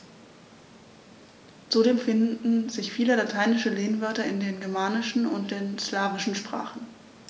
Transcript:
Zudem finden sich viele lateinische Lehnwörter in den germanischen und den slawischen Sprachen.